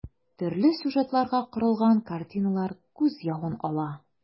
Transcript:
Төрле сюжетларга корылган картиналар күз явын ала.